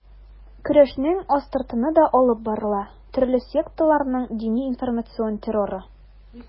Көрәшнең астыртыны да алып барыла: төрле секталарның дини-информацион терроры.